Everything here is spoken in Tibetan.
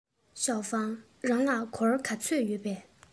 ཞའོ ཧྥང རང ལ སྒོར ག ཚོད ཡོད པས